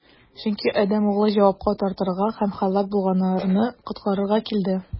Чөнки Адәм Углы җавапка тартырга һәм һәлак булганнарны коткарырга килде.